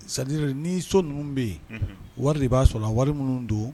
Sadiri ni so ninnu bɛ yen wari de b'a sɔrɔ wari minnu don